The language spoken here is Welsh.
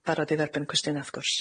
Barod i dderbyn cwestiyna wrth gwrs.